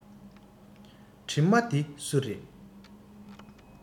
གྲིབ མ དེ སུ རེད